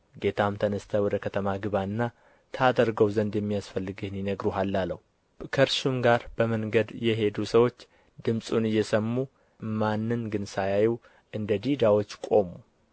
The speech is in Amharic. ጌታም ተነሥተህ ወደ ከተማ ግባና ታደርገው ዘንድ የሚያስፈልግህን ይነግሩሃል አለው ከእርሱም ጋር በመንገድ የሄዱ ሰዎች ድምፁን እየሰሙ ማንን ግን ሳያዩ እንደ ዲዳዎች ቁሙ